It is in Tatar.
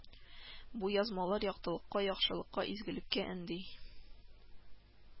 Бу язмалар яктылыкка, яхшылыкка, изгелеккә өнди